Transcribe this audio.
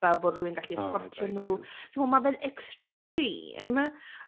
fel bod rhywun yn gallu escortio nhw So, mae fe'n extreme.